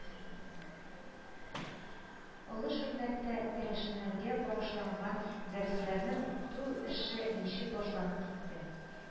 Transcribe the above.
Олы Шүрнәктә керәшеннәргә багышланган дәресләрне укыту эше ничек башланып китте